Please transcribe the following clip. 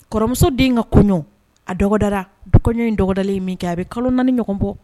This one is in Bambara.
Kɔrɔmuso den ka kɔɲɔɲ a dɔgɔdara du in dɔgɔdalen min kɛ a bɛ kalo naaniani ɲɔgɔn bɔ